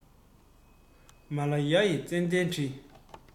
མ ལ ཡ ཡི ཙན དན དྲི